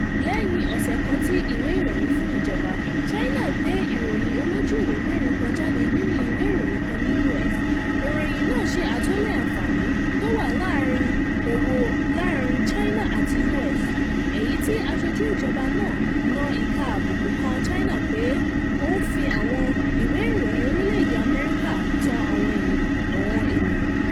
Lẹ́yìn ọ̀sẹ̀ kan tí ìwé ìròyìn fún ìjọba China gbé ìròyìn olójúùwé mẹ́rin kan jáde nínú ìwé ìròyìn kan ní US. Ìròyìn náà ṣe àtòólẹ̀ àǹfààní tó wà láàrin òwò láàrin China àti US, èyí tí aṣojú ìjọba náà na ìka àbùkù kan China pé ó ń fi àwọn ìwé ìròyìn orílẹ̀èdè Amẹ́ríkà tan àwọn ènìyàn.